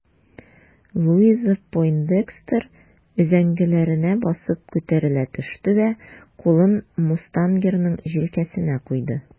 Луиза Пойндекстер өзәңгеләренә басып күтәрелә төште дә кулын мустангерның җилкәсенә куйды.